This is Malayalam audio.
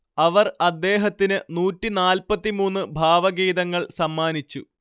അവർ അദ്ദേഹത്തിന് നൂറ്റി നാല്പത്തി മൂന്ന് ഭാവഗീതങ്ങൾ സമ്മാനിച്ചു